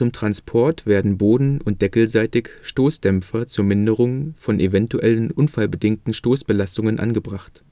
Transport werden boden - und deckelseitig Stoßdämpfer zur Minderung von eventuellen unfallbedingten Stoßbelastungen angebracht